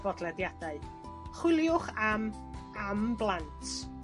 bodlediadau. Chwiliwch am Am Blant.